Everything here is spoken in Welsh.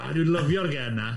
O, dwi'n lyfio'r gân 'na.